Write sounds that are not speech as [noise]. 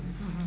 [hesitation] [hesitation]